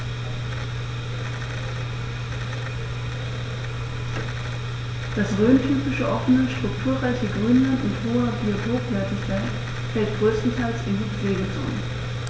Das rhöntypische offene, strukturreiche Grünland mit hoher Biotopwertigkeit fällt größtenteils in die Pflegezone.